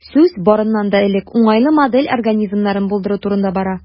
Сүз, барыннан да элек, уңайлы модель организмнарын булдыру турында бара.